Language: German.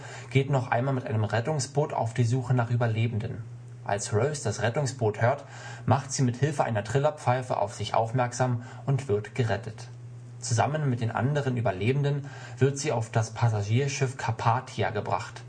einem Rettungsboot auf die Suche nach Überlebenden. Als Rose das Rettungsboot hört, macht sie mit Hilfe einer Trillerpfeife auf sich aufmerksam und wird gerettet. Zusammen mit den anderen Überlebenden wird sie auf das Passagierschiff Carpathia gebracht